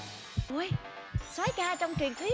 ôi soái ca trong truyền thuyết